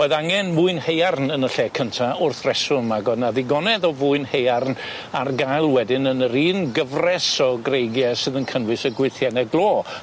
O'dd angen mwyn haearn yn y lle cynta wrth reswm ag o'dd 'na ddigonedd o fwyn haearn ar gael wedyn yn yr un gyfres o greigie sydd yn cynnwys y gweithienne glo.